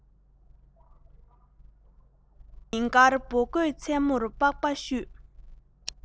ཉིན དཀར འབུ བརྐོས མཚན མོར པགས པ བཤུས